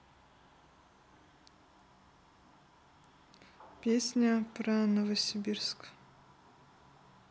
песня про новосибирск